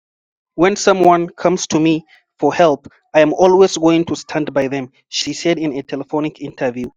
When someone comes to me for help, I am always going to stand by them, she said in a telephonic interview.